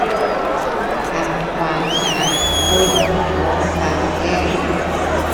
ทำความสะอาดก้นพร้อมเป่าแห้ง